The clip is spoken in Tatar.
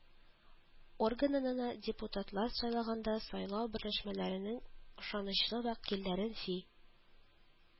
Органына депутатлар сайлаганда сайлау берләшмәләренең ышанычлы вәкилләрен, фи